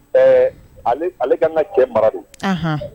Ɛɛ ale ka na kɛ marari